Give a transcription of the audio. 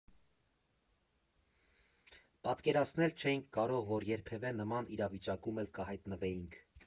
Պատկերացնել չէինք կարող, որ երբևէ նման իրավիճակում կհայտնվեինք։